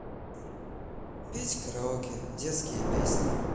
петь караоке детские песни